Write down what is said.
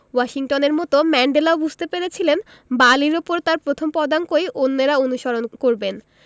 ওয়াশিংটনের মতো ম্যান্ডেলাও বুঝতে পেরেছিলেন বালির ওপর তাঁর প্রথম পদাঙ্কই অন্যেরা অনুসরণ করবেন